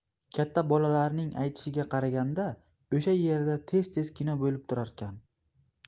katta bolalarning aytishiga qaraganda o'sha yerda tez tez kino bo'lib turarkan